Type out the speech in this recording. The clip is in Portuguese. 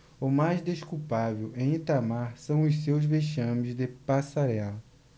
o mais desculpável em itamar são os seus vexames de passarela